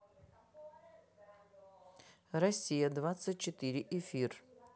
россия двадцать четыре эфир